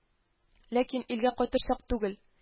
— ләкин илгә кайтыр чак түгел